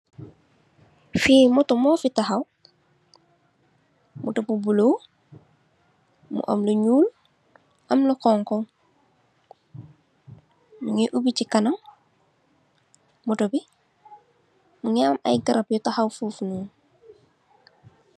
Fi moto mo fi taxaw, moto bu bulo mu am lu nuul, am na xonxo , ni ngi oubi ci kannamm, moto bi mungi am ay garab yu tawax fofu nonu.